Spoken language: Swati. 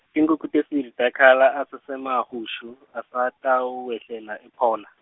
tinkhukhu tesibili takhala asaseMahushu asatakwehlela ePhola.